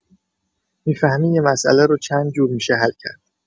می‌فهمی یه مسئله رو چند جور می‌شه حل کرد.